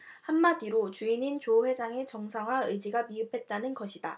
한마디로 주인인 조 회장의 정상화 의지가 미흡했다는 것이다